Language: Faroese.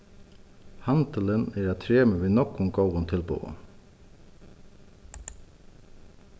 handilin er á tremur við nógvum góðum tilboðum